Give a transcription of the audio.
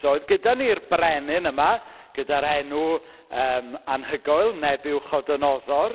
So oedd gyda ni'r brenin yma, gyda'r enw, yym, anhygoel, Nebuchadnezzar.